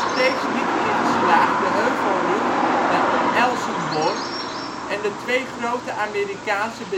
steeds niet in geslaagd de heuvelrug bij Elsenborn en de twee grote Amerikaanse